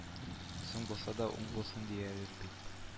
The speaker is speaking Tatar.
Соң булса да уң булсын диләр бит